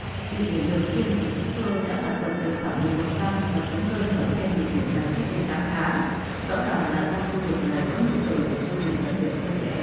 địa điểm đầu tiên của chúng tôi đã hoạt động được khoảng mười một năm và chúng tôi mở thêm địa điểm này cách đây tám tháng rõ ràng là trong khu vực này có nhu cầu về chương trình tập luyện cho trẻ em